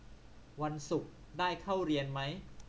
วันศุกร์ได้เข้าเรียนมั้ย